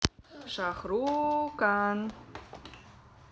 шахрукан